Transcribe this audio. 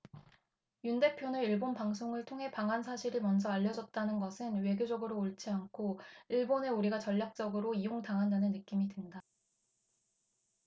윤 대표는 일본 방송을 통해 방한 사실이 먼저 알려졌다는 것은 외교적으로 옳지 않고 일본에 우리가 전략적으로 이용당한다는 느낌이 든다